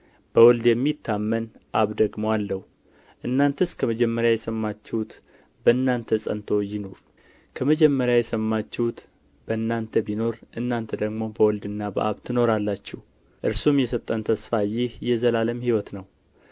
በወልድ የሚታመን አብ ደግሞ አለው እናንተስ ከመጀመሪያ የሰማችሁት በእናንተ ጸንቶ ይኑር ከመጀመሪያ የሰማችሁት በእናንተ ቢኖር እናንተ ደግሞ በወልድና በአብ ትኖራላችሁ እርሱም የሰጠን ተስፋ ይህ የዘላለም ሕይወት ነው